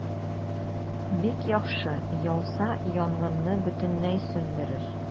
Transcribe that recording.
Бик яхшы, яуса, янгынны бөтенләй сүндерер.